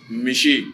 Misi